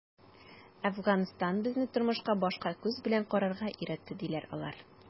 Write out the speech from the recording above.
“әфганстан безне тормышка башка күз белән карарга өйрәтте”, - диләр алар.